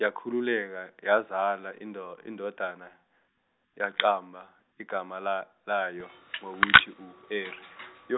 yakhuleka yazala indo- indodana, yaqamba igama la- layo ngokuthi u Eri yo-.